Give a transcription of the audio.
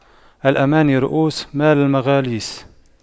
الأماني رءوس مال المفاليس